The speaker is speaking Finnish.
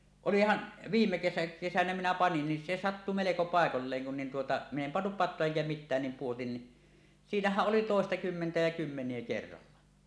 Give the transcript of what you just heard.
olihan viime - kesänä minä panin niin se sattui melko paikoilleen kun niin tuota minä en pannut patoa enkä mitään niin pudotin niin siinähän oli toistakymmentä ja kymmeniä kerralla